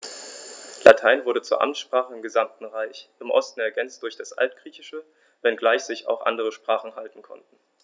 Latein wurde zur Amtssprache im gesamten Reich (im Osten ergänzt durch das Altgriechische), wenngleich sich auch andere Sprachen halten konnten.